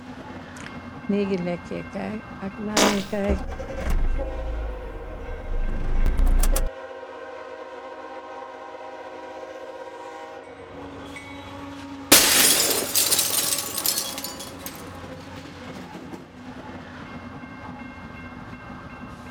Negi lekeeh kai ak naneeh kai.